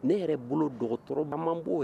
Ne yɛrɛ bolo dɔgɔtɔrɔba' ye